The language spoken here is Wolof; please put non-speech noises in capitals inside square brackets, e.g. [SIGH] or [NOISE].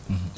[HESITATION] [HESITATION]